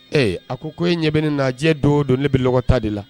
Ee a ko e ɲɛ bɛ ne na , diɲɛ don don ne bɛ dɔgɔ ta de la.